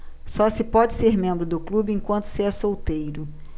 só se pode ser membro do clube enquanto se é solteiro